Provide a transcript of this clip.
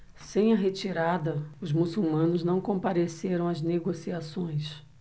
sem a retirada os muçulmanos não compareceram às negociações